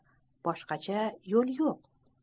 boshqacha yo'l yo'q